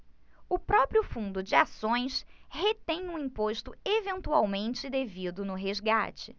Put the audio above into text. o próprio fundo de ações retém o imposto eventualmente devido no resgate